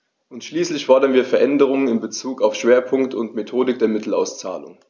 Und schließlich fordern wir Veränderungen in bezug auf Schwerpunkt und Methodik der Mittelauszahlung.